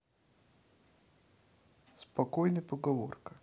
спокойной поговорка